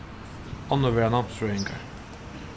onnur verða námsfrøðingar